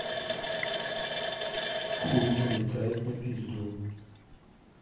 хуй налетает на пизду